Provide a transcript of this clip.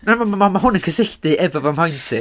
Na, ma' ma' ma' ma' hwn yn cysylltu efo fy mhoint i.